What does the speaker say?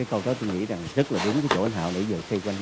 câu đó tôi nghĩ rằng rất là đúng cái chỗ anh hạo nãy giờ xoay quanh